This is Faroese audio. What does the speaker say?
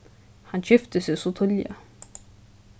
hann gifti seg so tíðliga